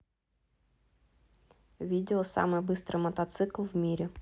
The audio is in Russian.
видео самый быстрый мотоцикл в мире